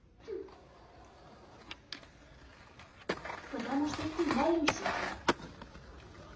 потому что ты малюсики